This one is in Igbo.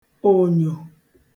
ònyò